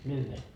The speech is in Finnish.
lyhyen